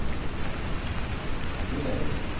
е один